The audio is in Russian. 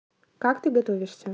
как ты готовишься